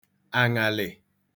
àṅàlị̀